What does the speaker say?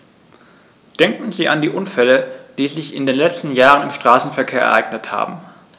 Denken Sie an die Unfälle, die sich in den letzten Jahren im Straßenverkehr ereignet haben.